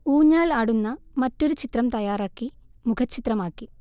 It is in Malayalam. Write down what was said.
ഊഞ്ഞാൽ ആടുന്ന മറ്റൊരു ചിത്രം തയാറാക്കി മുഖച്ചിത്രമാക്കി